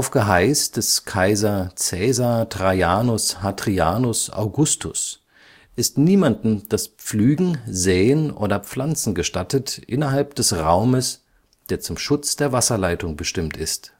Geheiß des Kaiser Caesar Trajanus Hadrianus Augustus ist niemandem das Pflügen, Säen oder Pflanzen gestattet innerhalb des Raumes, der zum Schutz der Wasserleitung bestimmt ist